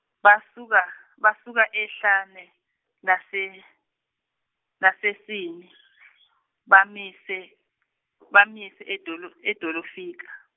basuka, basuka ehlane lase- laseSini bamise, bamise eDolo- eDolofika.